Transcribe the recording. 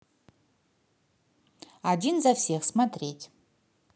один за всех смотреть